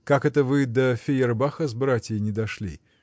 — Как это вы до Фейербаха с братией не дошли.